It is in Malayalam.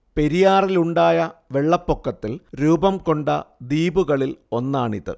പെരിയാറിലുണ്ടായ വെള്ളപ്പൊക്കത്തിൽ രൂപം കൊണ്ട ദ്വീപുകളിൽ ഒന്നാണിത്